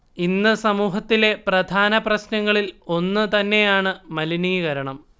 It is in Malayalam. ഇന്ന് സമൂഹത്തിലെ പ്രധാന പ്രശ്നങ്ങളിൽ ഒന്നു തന്നെയാണ് മലിനീകരണം